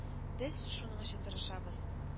Без шуның өчен тырышабыз